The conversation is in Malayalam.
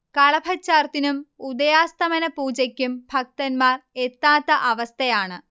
കളഭച്ചാർത്തിനും ഉദയാസ്തമന പൂജക്കും ഭക്തന്മാർ എത്താത്ത അവസ്ഥയാണ്